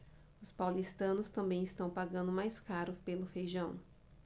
os paulistanos também estão pagando mais caro pelo feijão